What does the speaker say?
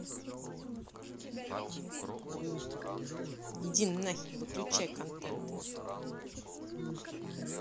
иди нахер выключай контент